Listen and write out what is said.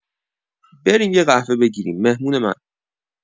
بریم یه قهوه بگیریم، مهمون من